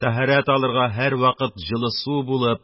Тәһарәт алырга һәрвакыт җылы су булып,